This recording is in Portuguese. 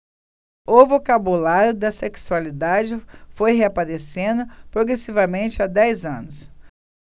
o vocabulário da sexualidade foi reaparecendo progressivamente há dez anos